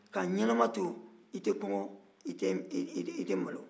ka n ɲɛnama to i tɛ kɔngɔ i tɛ malo